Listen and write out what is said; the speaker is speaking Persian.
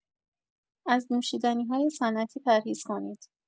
از نوشیدنی‌های صنعتی پرهیز کنید.